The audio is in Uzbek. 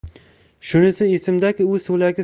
shunisi esimdaki u so'lagi